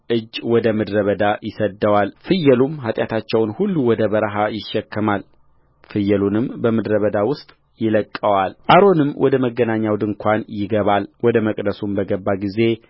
እጅ ወደ ምድረ በዳ ይሰድደዋልፍየሉም ኃጢአታቸውን ሁሉ ወደ በረሀ ይሸከማል ፍየሉንም በምድረ በዳ ውስጥ ይለቅቀዋልአሮንም ወደ መገናኛው ድንኳን ይገባል ወደ መቅደሱም በገባ ጊዜ